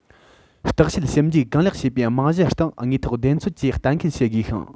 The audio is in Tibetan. བརྟག དཔྱད ཞིབ འཇུག གང ལེགས བྱས པའི རྨང གཞིའི སྟེང དངོས ཐོག བདེན འཚོལ གྱིས གཏན འཁེལ བྱེད དགོས ཤིང